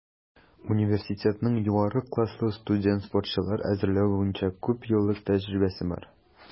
Университетның югары класслы студент-спортчылар әзерләү буенча күпьеллык тәҗрибәсе бар.